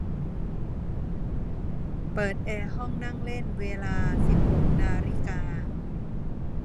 เปิดแอร์ห้องนั่งเล่นเวลาสิบหกนาฬิกา